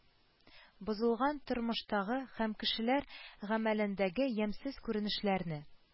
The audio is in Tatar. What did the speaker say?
Бозылган тормыштагы һәм кешеләр гамәлендәге ямьсез күренешләрне